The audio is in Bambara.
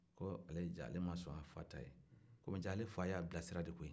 ko ale y'i diya ale ma son a fa ta ye ko jaa ale fa y'ale bilasira de koyi